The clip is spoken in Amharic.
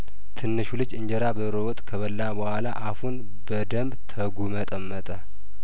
ትንሹ ልጅ እንጀራ በዶሮ ወጥ ከበላ በኋላ አፉን በደምብ ተጉመጠመጠ